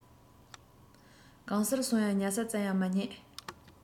གང སར སོང ནས ཉལ ས བཙལ ཡང མ རྙེད